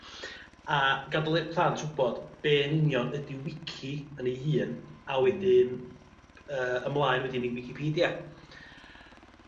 a gad'el i'r plant wbod be' yn union ydi wici yn ei hun a wedyn yy ymlaen wedyn i wicipedia.